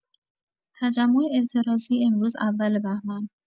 تجمع اعتراضی امروز اول بهمن